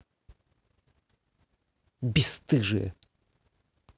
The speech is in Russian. бесстыжие